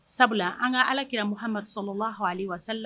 Sabula an ka alakira muha sɔrɔ lahal wa